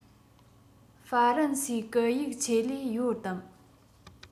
ཧྥ རན སིའི སྐད ཡིག ཆེད ལས ཡོད དམ